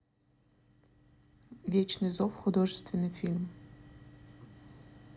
вечный зов художественный фильм